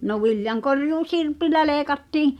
no viljankorjuu sirpillä leikattiin